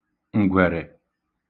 ǹgwèrè